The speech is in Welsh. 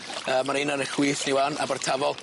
Yy ma' 'na un ar y chwith ni ŵan. Abertafol.